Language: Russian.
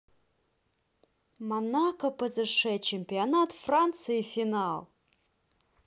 монако псж чемпионат франции финал